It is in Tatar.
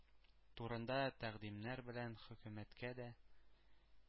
Турында тәкъдимнәр белән хөкүмәткә дә,